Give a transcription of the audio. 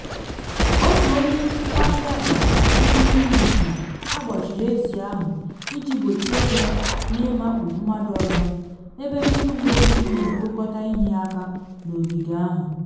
Otu onye nchịkwa ahịa gwara Evening News na akpọchiri ezi ahụ iji gbochie ya na ịmakpu mmadụ ọzọ, ebe ndị uwe ojii na ekpokọta ihe aka n’ogige ahụ.